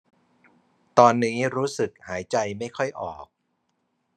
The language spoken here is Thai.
ตอนนี้รู้สึกหายใจไม่ค่อยออก